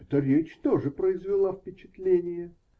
Эта речь тоже произвела впечатление.